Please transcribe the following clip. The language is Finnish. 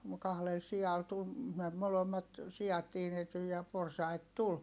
- kahdella sialla tuli - molemmat siat tiinettyi ja porsaita tuli